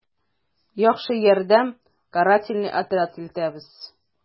«яхшы ярдәм, карательный отряд илтәбез...»